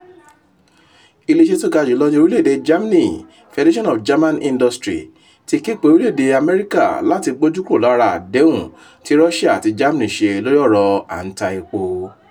Ilé iṣẹ́ tí ó ga jù lọ ní orílẹ̀èdè Germany, Federation of German Industries (BDI) ti képe orílẹ̀èdè US láti gbójú kúrò lára adehun tí Russia àti Germany ṣe lórí ọ̀rọ̀ à ń ta epo.